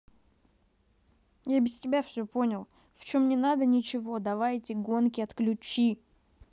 я без тебя все понял в чем не надо ничего давай это гонки отключи